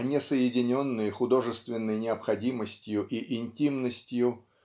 а не соединенные художественной необходимостью и интимностью